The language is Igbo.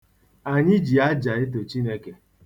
Anyị ji aja eto Chineke.